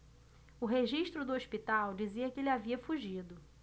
o registro do hospital dizia que ele havia fugido